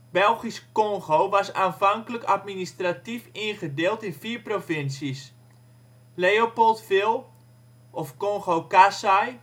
Belgisch-Kongo was aanvankelijk administratief ingedeeld in vier provincies: Leopoldville (of Congo-Kasai